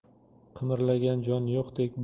qimirlagan jon yo'qdek